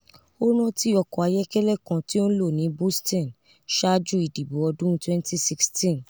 O ranti ọkọ ayọkẹlẹ kan ti o nlo ni Boston ṣaaju idibo ọdun 2016.